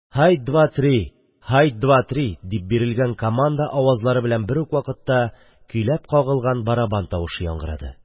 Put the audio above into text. – һайт, два, три! һайт, два, три! – дип бирелгән команда авазлары белән бер үк вакытта көйләп кагылган барабан тавышы яңгырады.